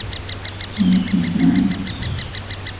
нет не знаю